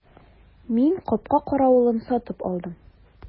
Мин капка каравылын сатып алдым.